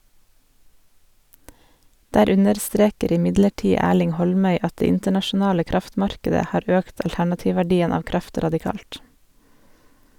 Der understreker imidlertid Erling Holmøy at det internasjonale kraftmarkedet har økt alternativverdien av kraft radikalt.